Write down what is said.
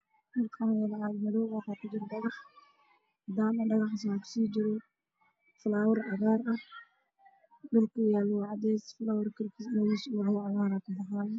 Meeshaan waxaa yaalo geed cagaar ah wuxuu ku dhex jiraa koob madow ah waxaana ka hoose dhow xun cadaan ah